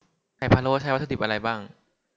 ไข่พะโล้ใช้วัตถุดิบอะไรบ้าง